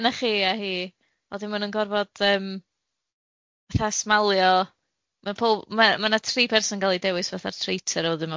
'Na chi ia, hi. Wedyn ma' nw'n gorfod yym tha smalio ma pow- ma' 'na tri person yn cal 'i dewis fatha'r treityr